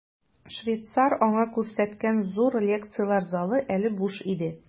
Швейцар аңа күрсәткән зур лекцияләр залы әле буш иде.